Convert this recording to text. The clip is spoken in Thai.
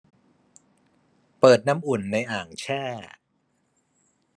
เปิดน้ำอุ่นในอ่างแช่